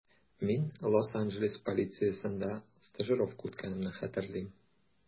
Мин Лос-Анджелес полициясендә стажировка үткәнемне хәтерлим.